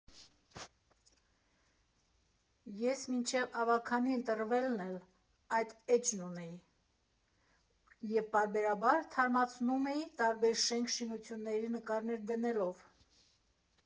Ես մինչև ավագանի ընտրվելն էլ այդ էջն ունեի և պարբերաբար թարմացնում էի տարբեր շենք֊շինությունների նկարներ դնելով…